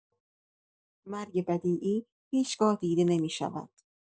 مرگ بدیعی هیچ‌گاه دیده نمی‌شود؛